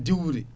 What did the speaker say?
diwri